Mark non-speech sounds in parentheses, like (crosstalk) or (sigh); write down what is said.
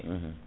(hesitation) (hesitation)